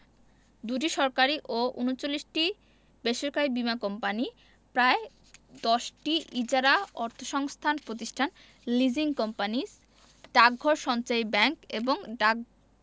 ২টি সরকারি ও ৩৯টি বেসরকারি বীমা কোম্পানি প্রায় ১০টি ইজারা অর্থসংস্থান প্রতিষ্ঠান লিজিং কোম্পানিস ডাকঘর সঞ্চয়ী ব্যাংক এবং ডাক